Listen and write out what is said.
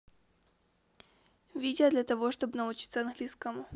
видео для того чтобы научиться английскому